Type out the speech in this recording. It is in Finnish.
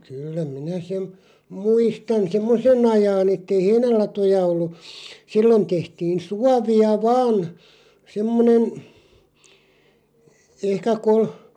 kyllä minä sen muistan semmoisen ajan että ei heinälatoja ollut silloin tehtiin suovia vain semmoinen ehkä -